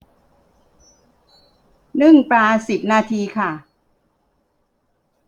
นึ่งปลาสิบนาทีค่ะ